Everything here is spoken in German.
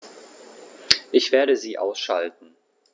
Ich werde sie ausschalten